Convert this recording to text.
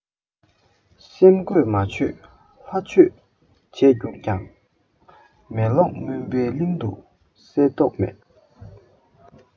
སེམས གོས མ ཆོད ལྷ ཆོས བྱས གྱུར ཀྱང མེ ལོང མུན པའི གླིང དུ གསལ མདོག མེད